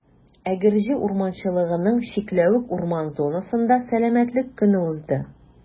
Әгерҗе урманчылыгының «Чикләвек» урман зонасында Сәламәтлек көне узды.